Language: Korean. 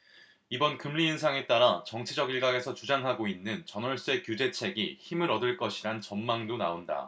이번 금리인상에 따라 정치권 일각에서 주장하고 있는 전월세 규제책이 힘을 얻을 것이란 전망도 나온다